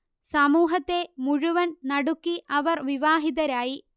സമൂഹത്തെ മുഴുവൻ നടുക്കി അവർ വിവാഹിതരായി